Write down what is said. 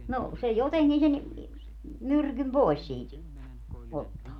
no se jotenkin sen myrkyn pois siitä ottaa